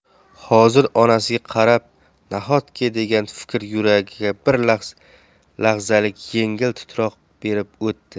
hozir onasiga qarab nahotki degan fikr yuragiga bir lahzalik yengil titroq berib o'tdi